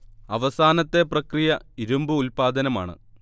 അവസാനത്തെ പ്രക്രിയ ഇരുമ്പ് ഉല്പാദനമാണ്